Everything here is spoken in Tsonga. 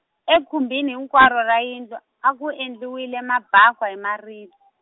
ekhumbini hinkwaro ra yindlu, a ku endliwile mabakwa hi marib-.